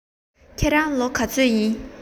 ཁྱེད རང ལོ ག ཚོད རེད